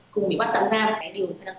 cùng bị bắt